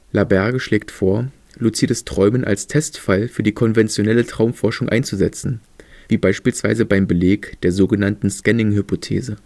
LaBerge schlägt vor, luzides Träumen als Testfall für die „ konventionelle “Traumforschung einzusetzen, wie beispielsweise beim Beleg der sogenannten Scanning-Hypothese